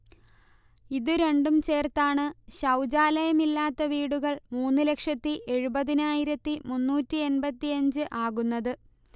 ഇതു രണ്ടും ചേർത്താണ് ശൗചാലയം ഇല്ലാത്ത വീടുകൾ മൂന്നുലക്ഷത്തി എഴുപതിനായിരത്തി മുന്നൂറ്റി എൺപത്തിയഞ്ചു ആകുന്നത്